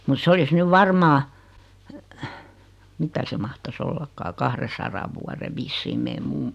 mutta se olisi nyt varmaan mitä se mahtaisi ollakaan kahdensadan vuoden vissiin meidän mummo